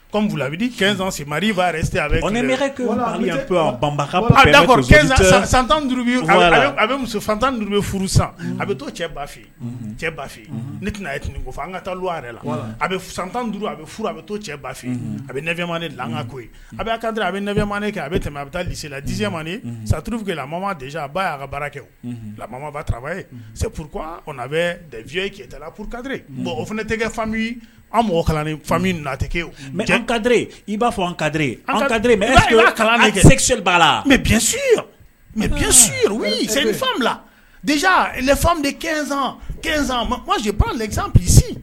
Sanmari san tan a tan furu san a bɛ to cɛ ba cɛ bafin ne tɛna nin fɔ an ka taalu la a san tan duuru a a bɛ to cɛ baye a bɛma ko a bɛ kan a bɛma kɛ a bɛ tɛmɛ a bɛ taa silaz saurufinmaz a ba' a ka bara kɛmaura ye bɛfya bɔn o fana ne tɛ mɔgɔ ni mɛ kadi i'a fɔ an kadi an ka lajɛ la mɛ psi